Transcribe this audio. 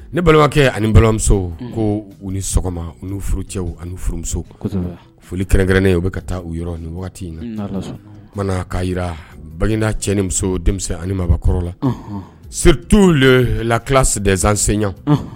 Ni balimabakɛ ani balimamuso ko u ni sɔgɔma u furu cɛw ani furumuso foli tɛrɛnnen ye u bɛ taa u yɔrɔ ni wagati in na mana kaa jira bangeda cɛ nimuso denmisɛnnin ani mabɔkɔrɔ la siritu le la kilasidsansenya